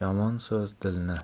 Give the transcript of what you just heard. yomon so'z dilni